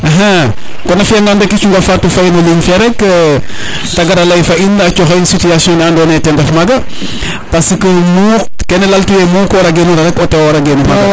axa kon a fiya ngaan rek i cunga fatou Faye no ligne fe rek te gara ley fo in a coxa in situation ne ando naye ten ref maga parce que mu kene lal tu ye mu kora genu na o tewa wara genu maga